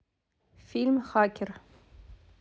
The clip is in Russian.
фильм хакер